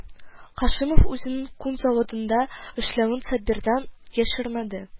Һашимов үзенең күн заводында эшләвен Сабир-дан яшермәде